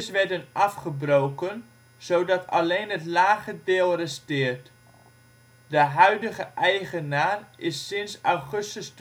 werden afgebroken, zodat alleen het lage deel resteert. De huidige eigenaar is sinds augustus